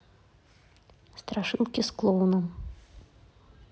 страшилки с клоуном